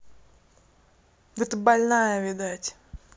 да ты больная видать